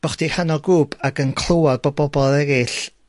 bo' chdi rhan o grŵp ac yn clwad bo' bobol eryll